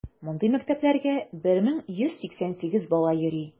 Мондый мәктәпләргә 1188 бала йөри.